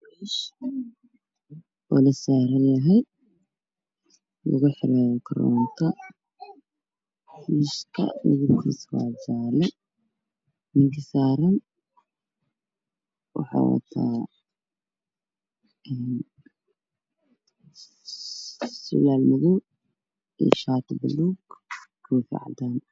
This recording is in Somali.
Lakuxiraayo koranto miiskakorantaasaarn wuxuuwataa surwaalmadaw